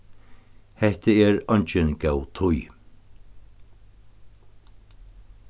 hetta er eingin góð tíð